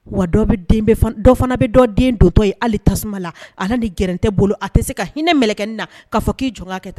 Wa dɔ dɔ fana bɛ dɔ den dɔtɔ ye hali tasuma la ala ni g tɛ bolo a tɛ se ka hinɛ ne mkɛ na k'a fɔ k'i jɔ ka taa